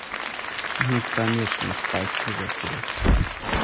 ну конечно спаси по тебе